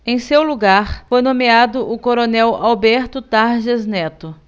em seu lugar foi nomeado o coronel alberto tarjas neto